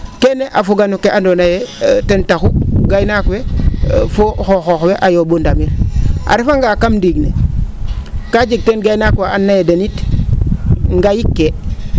keene a foga no kee andoonaye ten taxu gaynaak we fo xooxoox we a yoo? o ndamir a refa nga kam ndiig ne kaa jeg teen gaynaak waa andoona ye den it ngayikkee